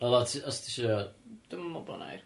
Wel o't... Os ti isio... Dwi'm yn me'wl bo' 'na air.